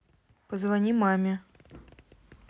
позвони маме